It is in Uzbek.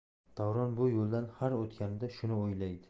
davron bu yo'ldan har o'tganida shuni o'ylaydi